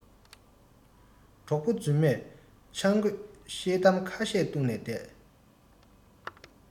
གྲོགས པོ རྫུན མས ཆང རྒོད ཤེལ དམ ཁ ཤས བཏུང ནས བསྡད